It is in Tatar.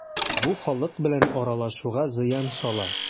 Бу халык белән аралашуга зыян сала.